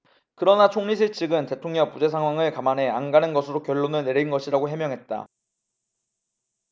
그러나 총리실측은 대통령 부재 상황을 감안해 안 가는 것으로 결론을 내린 것이라고 해명했다